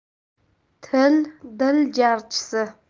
til dil jarchisi